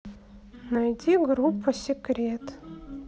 найди группа секрет